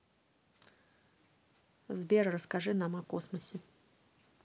сбер расскажи нам о космосе